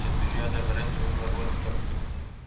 bo'yicha dunyoda birinchi o'rinda bo'lib turibdi